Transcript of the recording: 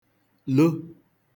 lo